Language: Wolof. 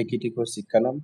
ekitiko ci kanam.